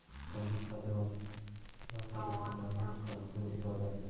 insonning qadri va qadr qimmati uning qalbida va irodasida